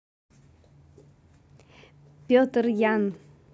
петр ян